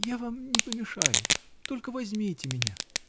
-- Я вам не помешаю -- только возьмите меня!